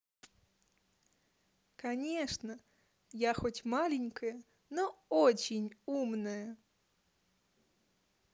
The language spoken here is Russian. конечно я хотя маленькая но очень умная